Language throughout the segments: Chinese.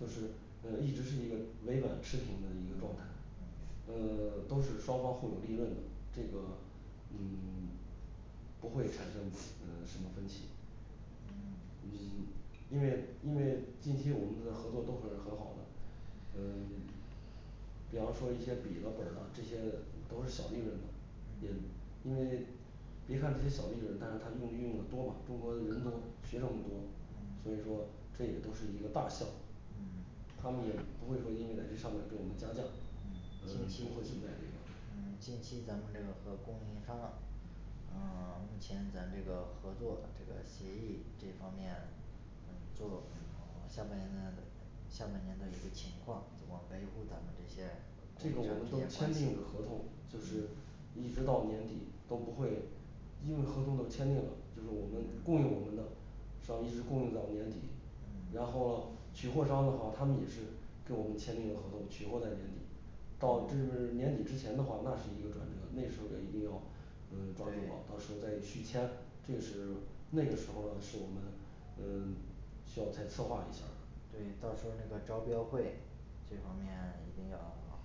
就是嗯一直是一个维稳持平的一个状态嗯嗯，嗯都是双方互有利润的，这个嗯 不会产生嗯什么分歧嗯因为因为近期我们的合作都是很好的嗯 比方说一些笔了本儿了这些都是小利润的，也因为别看这些小利润，但是他用的 用的多嘛，中国人多，学生们多，所以说这也都是一个大项目。嗯他们也不会说因为在这上面儿跟我们加价，嗯嗯不会存在这个嗯近期咱们这个和供应商嗯目前咱这个合作这个协议这方面嗯做嗯下半年的下半年的一个情况，怎么维护咱们这些这个我们都签订着合同，就是一直到年底都不会，因为合同都签定了，就是我们供应我们的是要一直供应到年底然嗯后咾取货商的话，他们也是跟我们签订了合同，取货在年底到这不是年底之前的话，那是一个转折，那时候也一定要嗯抓住对咾，到时候再续签，这个是那个时候咾是我们，嗯 需要再策划一下儿对，到时候那个招标会这方面一定要弄好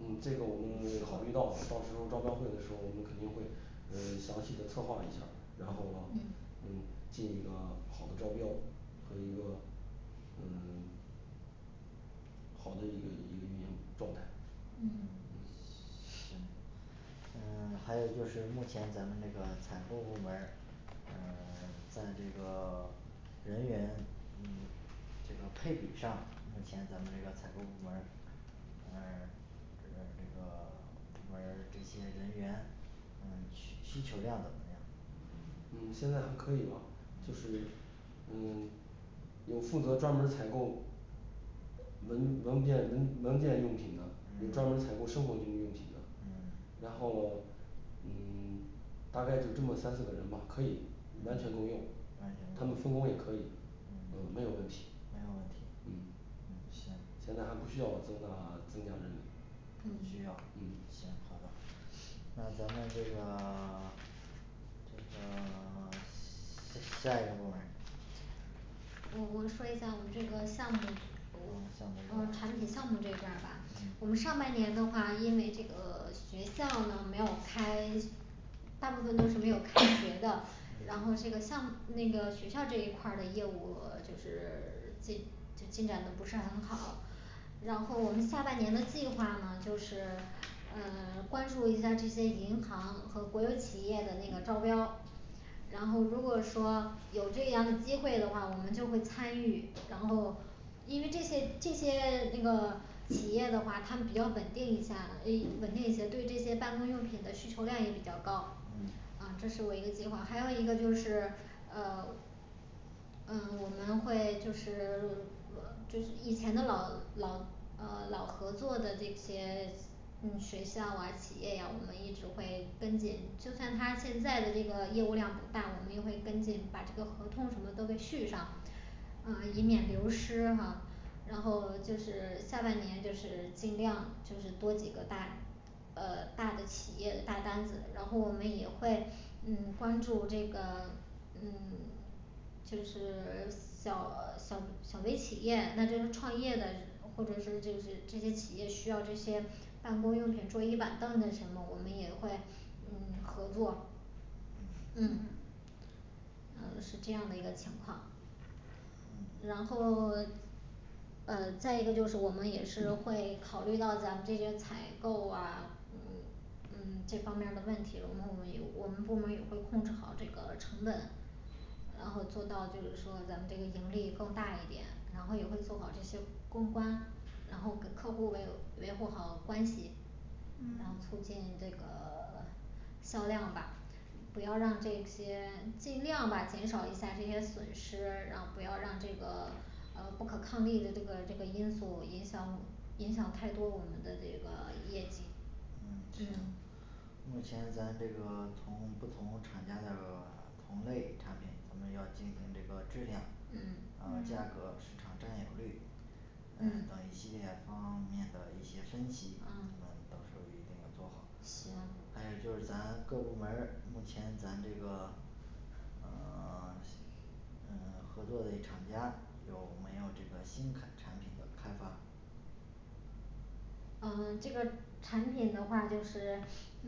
嗯这个我们考虑到了到时候儿招标会的时候儿，我们肯定会嗯详细的策划一下儿。然后咾嗯 嗯进一个好的招标和一个嗯好的一个一个运营状态嗯嗯行嗯还有就是目前咱们这个采购部门儿嗯 在这个人员嗯这个配比上，目前咱们这个采购部门儿这边儿这个部门儿这些人员嗯需需求量怎么样嗯现在还可以吧。就是嗯有负责专门儿采购文文便文文件用品的，有专门儿采购生活用 用品的，嗯然后咾嗯 大概就这么三四个人吧可以完全够用，他完们全分够用工也可以，嗯没有问题。没有问题嗯嗯行现在还不需要增大增加人不需要嗯行好的，那咱们这个 这个 下下一部门儿我我说一下我们这个项目啊项目部门产品儿项目这一边儿吧，我嗯们上半年的话，因为这个 学校没有开大部分都是没有开学的，然后这个项目那个学校这一块儿的业务就是进进展得不是很好然后我们下半年的计划呢就是嗯关注一下这些银行和国有企业的那个招标然后如果说有这样的机会的话，我们就会参与然后因为这些这些这个企业的话他们比较稳定一下，诶稳定一些，对这些办公用品的需求量也比较高嗯，啊这是我一个计划，还有一个就是呃 嗯我们会就是就是以前的老老呃老合作的这些 嗯学校哇企业呀，我们一直会跟进，就看他现在的这个业务量大，我们就会跟进把这个合同什么都给续上， 啊以免流失哈然后就是下半年就是尽量就是多几个大呃大的企业大单子，然后我们也会嗯关注这个嗯 就是 小小小微企业那就是创业的或者是这些这些企业需要这些办公用品桌椅板凳的什么我们也会嗯合作嗯嗯，呃是这样的一个情况然后 呃再一个我们也是会考虑到咱们这些采购哇嗯这方面儿的问题，我们我们也我们部门儿也会控制好这个成本然后做到就是说咱们这个盈利更大一点，然后也会做好这些公关，然后跟客户维维护好关系然后嗯促进这个 销量吧不要让这些尽量吧减少一下这些损失，然后不要让这个呃不可抗力的这个这个因素影响影响太多我们的这个业绩嗯目前咱这个同不同厂家的同类产品，咱们要进行这个质量、嗯呃价嗯格，市场占有率等等的嗯一系列方 面的一些分析，你啊们到时候一定要做好行。还有就是咱各部门儿目前咱这个嗯 嗯合作嘞厂家有没有这个新砍 产品的开发嗯这个产品的话，就是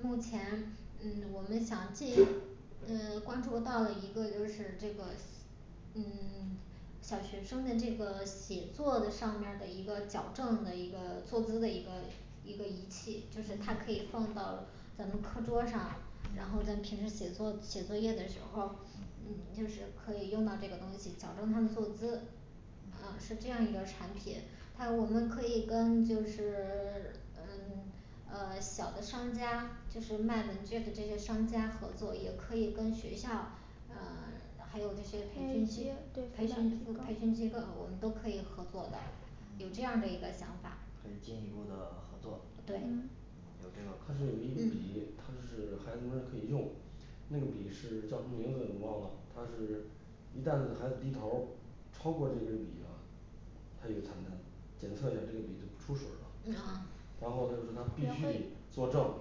目前嗯我们想进嗯关注到的一个就是这个嗯 小学生的那个写作的上面儿的一个矫正的一个坐姿的一个一个仪器，就是它可以放到咱们课桌上然后在平时写作写作业的时候儿，嗯就是可以用到这个东西，矫正他的坐姿啊是嗯这样一个产品，它我们可以跟就是 嗯呃小的商家就是卖文具的这些商家合作，也可以跟学校嗯然后这些培要一训机些，对，培主训打培训机构机构，我们都可以合作的有这样的一个想法可以进一步的合作对嗯嗯，有这它是有个一个嗯笔，它是孩子们儿可以用那个笔是叫什么名字我忘了，他是一旦是孩子低头儿超过这根笔了，他有残单，检测一下这个笔就不出水儿了嗯啊然后他就说他必须得做正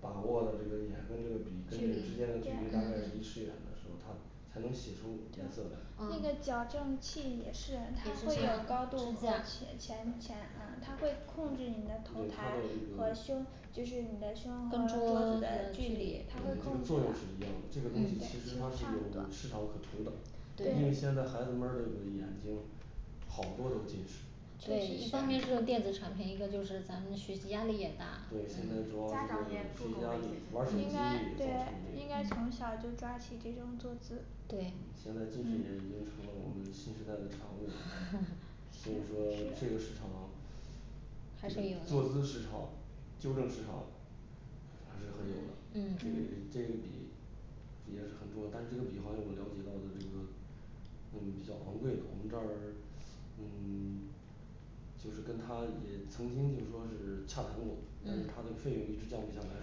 把握的眼跟这个笔之间的距离大概是一尺远的时候，他才能写出颜色来那个嗯矫正器也是他会有高度和前前，嗯他会控制你的头对，抬他和的胸这个就是你的胸跟和桌桌子子的的距距嗯这个离离，它会控制作用是的一样的，这个东西其实它差是不有多市场可图的因为对现在孩子们儿这个眼睛好多都近视确对实一是方面是用嗯电子产品，一个就是咱们的学习压力也大对，现在主要家长是也学注重习压力，这玩个，儿手机现应造在该成对的，应这个该从小就抓起这种坐姿嗯对现在近视眼已经成了我们新时代的产物，所以说这个市场还这是有个坐姿市场，纠正市场还是很有的嗯。这个嗯这个笔也是很重要，但是这个笔好像我了解到的这个嗯比较昂贵的，我们这儿嗯 就是跟他也曾经就说是洽谈过，但是他嗯的费用一直降不下来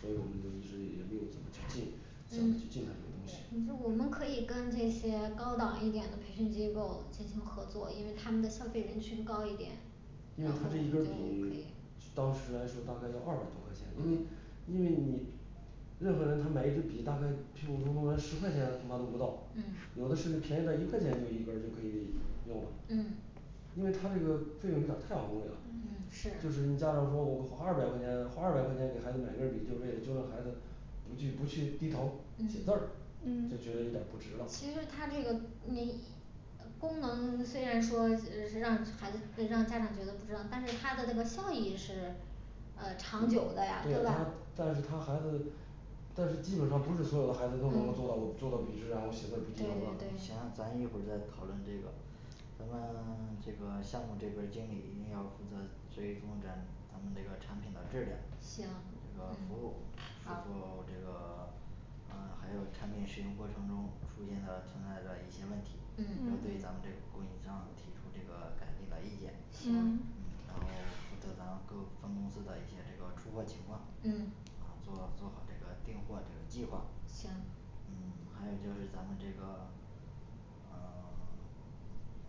所以我们就一直也没有怎么去进。想着去嗯进他这个东西你说我嗯们可以跟这些高档一点的培训机构进行合作，因为他们的消费人群高一点因为他这一根儿笔当时来说大概要二百多块钱，因为因为你任何人他买一支笔大概屁咕咚咚连十块钱恐怕都不到，嗯有的甚至便宜在一块钱就一根儿就可以用了嗯因为他这个费用有点儿太昂贵了，嗯是就是你家长说我我花二百块钱花二百块钱给孩子买根儿笔，就是为了纠正孩子不去不去低头写字嗯儿，就嗯觉得有点儿不值了其实他这个没意义功能虽然说是让孩子 让家长觉得不值得，但是它的这个效益是呃长久对的呀呀是他吧，，但是他孩子但是基本上不是所有的孩子都能够做到嗯做到笔直，然后写字儿不低头对对的对行，咱一会儿再讨论这个咱们 这个项目这边儿经理一定要负责追踪咱我们这个产品的质量行嗯服务，最好后这个 嗯还有产品使用过程中出现的存在的一些问题，和对嗯嗯咱们供应商提出这个改进的意见，嗯嗯行然后负责咱各分公司的一些出货情况嗯啊做做好这个订货这个计划行嗯还有就是咱们这个呃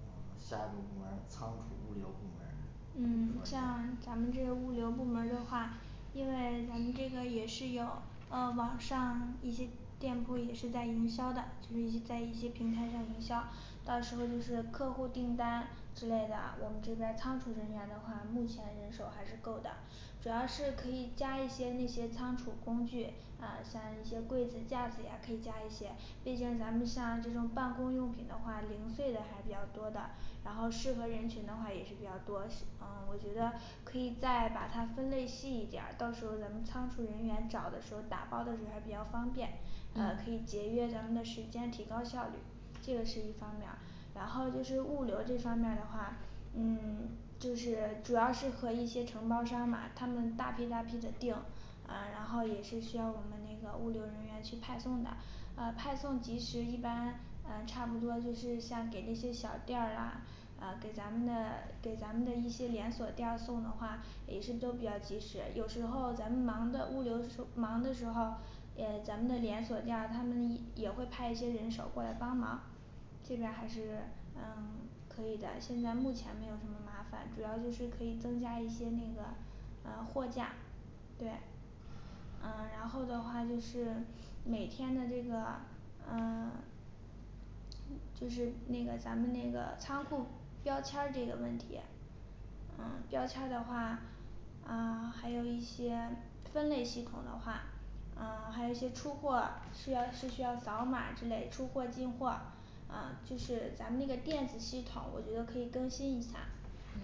嗯下个部门儿仓储物流部门儿嗯，说像一下咱们这个物流部门儿的话，因为咱们这个也是有嗯网上一些店铺，也是在营销的，只是在一些平台上营销，到时候就是客户订单之类的，我们这边儿仓储人员的话目前人手还是够的主要是可以加一些那些仓储工具，呃像一些柜子架子呀可以加一些，毕竟咱们像这种办公用品的话零碎的还比较多的然后适合人群的话也是比较多细， 嗯我觉得可以再把它分类细一点儿，到时候咱们仓储人员找的时候打包的时候还比较方便呃可以节约咱们的时间，提高效率，这个是一方面儿。然后就是物流这方面儿的话嗯就是主要是和一些承包商嘛他们大批大批的订，呃然后也是需要我们那个物流人员去派送的呃派送及时一般呃差不多是像给那些小店儿啦呃给咱们的给咱们的一些连锁店儿送的话也是都比较及时，有时候咱们忙的物流时候 忙的时候儿也咱们的连锁店儿他们也 也会派一些人手过来帮忙现在还是嗯 可以的，现在目前没有什么麻烦，主要就是可以增加一些那个呃货架。对嗯然后的话就是每天的这个嗯 就是那个咱们那个仓库标签儿这个问题嗯标签儿的话，嗯还有一些分类系统的话嗯还有一些出货，是要是需要扫码之类出货进货，呃就是咱们那个电子系统我觉得可以更新一下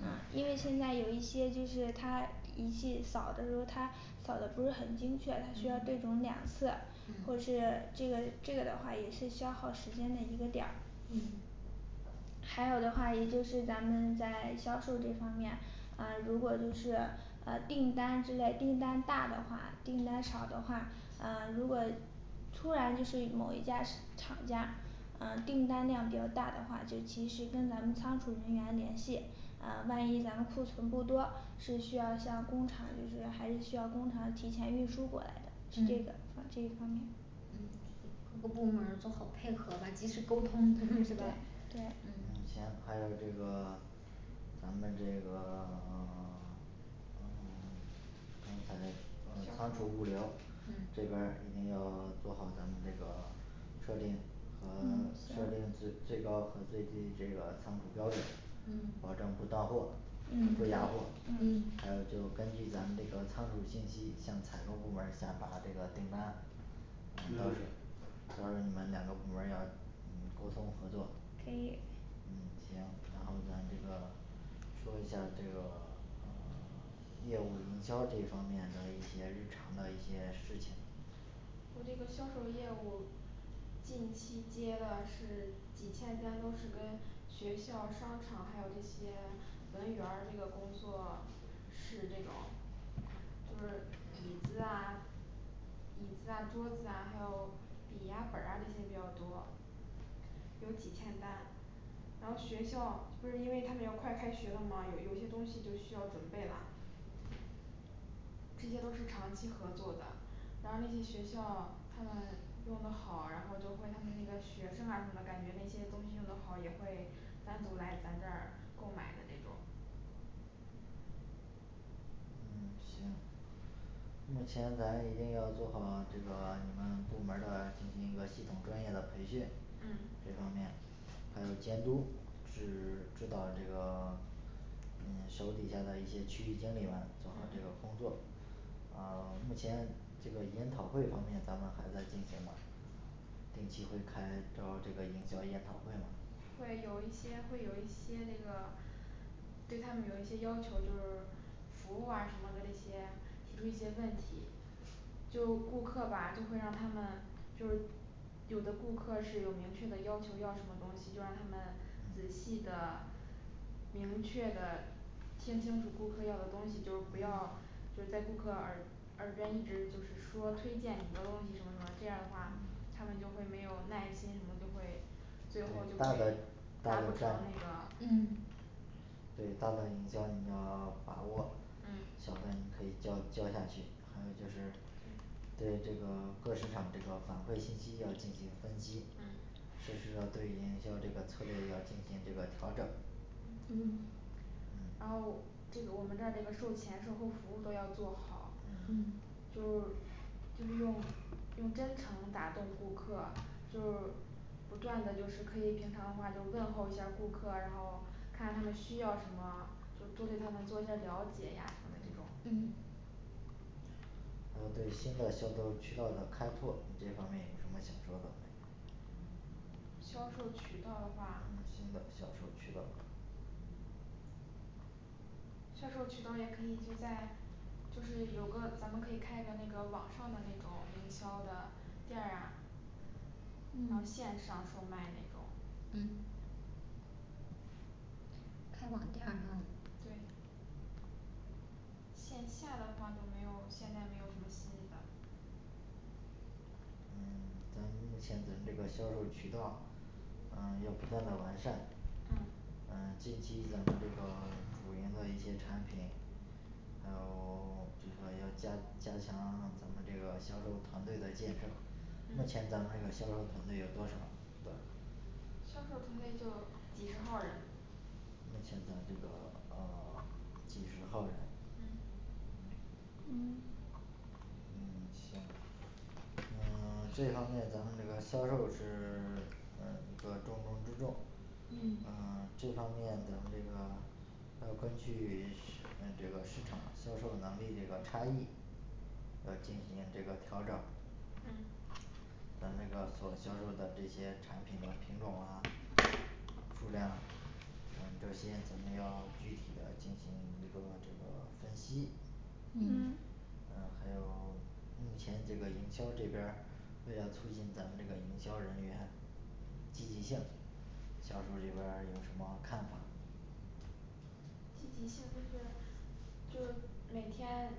啊嗯因为现在有一些就是它仪器扫的时候，它扫的不是很精确，它需要对嗯准两次，或嗯是这个这个的话也是消耗时间的一个点儿嗯还有的话也就是咱们在销售这方面，呃如果就是呃订单之类订单大的话，订单少的话，嗯如果突然就是某一家厂家嗯订单量比较大的话，就及时跟咱们仓储人员联系嗯万一咱们库存不多，是需要向工厂就是还是需要工厂提前运输过来的是这个嗯，啊这个方面嗯各部门儿做好配合吧，及时沟通，就会对知道，对嗯行还有这个 咱们这个 嗯 刚才仓储物流嗯这边儿一定要做好咱们这个设定和嗯行设定最最高和最低这个仓储标准，保嗯证不断货嗯不压货，嗯还有就根据咱们这个仓储信息向采购部门儿下达这个订单呃没有到问时题候到时候你们两个部门儿要嗯沟通合作可以嗯行，然后咱这个说一下儿这个呃 业务营销这方面的一些日常的一些事情我这个销售业务近期接的是几千单，都是跟学校商场还有这些文员儿这个工作是这种就是椅子啊、椅子啊、桌子啊还有笔啊本儿啊这些比较多有几千单，然后学校不是因为他们要快开学了吗，有有些东西就需要准备啦这些都是长期合作的。然后那些学校他们用的好，然后就会他们那个学生啊什么，感觉那些东西用得好，也会单独来咱这儿购买的这种嗯行目前咱一定要做好这个你们部门儿的进行一个系统专业的培训，这嗯方面还有监督是指导这个嗯手底下的一些区域经理们做好这个嗯工作。呃目前这个研讨会方面咱们还在进行吗定期会开招这个营销研讨会吗会有一些会有一些这个对他们有一些要求，就是服务啊什么的这些提出一些问题，就顾客吧就会让他们就是有的顾客是有明确的要求，要什么东西就让他们仔细的明确的听清楚顾客要的东西就是不要就是在顾客耳耳边一直就是说推荐你的东西什么什么这样的话，他们就会没有耐心，什么就会最后就大的会，达达不不成到那嗯个对大的营销你要把握，嗯小的你可以交交下去，还有就是对对这个各市场这个反馈信息要进行分析嗯适时地对营销这个策略要进行这个调整嗯嗯嗯然后这个我们这儿这个售前售后服务都要做好嗯，就是就是用用真诚打动顾客，就是不断的就是可以平常的话就问候一下儿顾客，然后看他们需要什么，都多对他们做一些了解呀什么的这种嗯呃对新的销售渠道的开拓，这方面有什么想说的吗销售渠道的话新的销售渠道销售渠道也可以就在就是有个咱们可以开一个那个网上的那种营销的店儿呀，然后嗯线上售卖那种嗯开网店儿是吗对线下的话就没有现在没有什么新的嗯咱们目前咱这个销售渠道嗯要不断的完善嗯嗯近期咱们这个主营的一些产品还有就是说要加加强咱们这个销售团队的建设。目嗯前咱们销售团队有多少个销售团队就几十号儿人目前咱这个呃几十号人嗯嗯嗯行。嗯 这方面咱们这个销售是 嗯一个重中之重，嗯嗯这方面咱们这个要根据你们这个市场销售能力这个差异，要进行这个调整嗯咱这个所销售的这些产品的品种啊、数量，等这些咱们要具体的进行一个这个分析嗯嗯呃还有目前这个营销这边儿为了促进咱们这个营销人员积极性，销售这边儿有什么看法积极性就是。就是每天